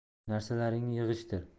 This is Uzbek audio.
narsalaringni yig'ishtir